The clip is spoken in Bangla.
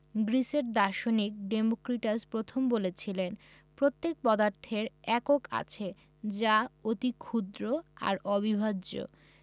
গ্রিসের দার্শনিক ডেমোক্রিটাস প্রথম বলেছিলেন প্রত্যেক পদার্থের একক আছে যা অতি ক্ষুদ্র আর অবিভাজ্য